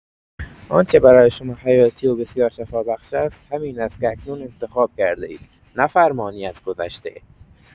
آنچه برای شما حیاتی و بسیار شفابخش است، همین است که اکنون انتخاب کرده‌اید، نه فرمانی از گذشته.